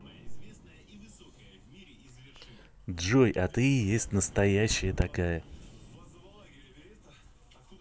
джой а ты и есть настоящая такая